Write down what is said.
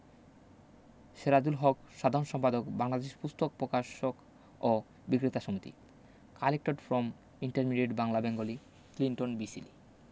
সেরাজুল হক সাধারণ সম্পাদক বাংলাদেশ পুস্তক পকাশক ও বিক্রেতা সমিতি collected from intermediate Bangla Bengali Clinton B Seely